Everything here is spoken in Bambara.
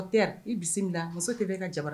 I bisimila muso de bɛ ka jamana